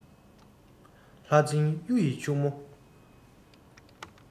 ལྷ རྫིང གཡུ ཡི ཕྱུག མོ